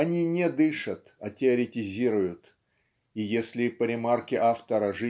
Они не дышат, а теоретизируют. И если по ремарке автора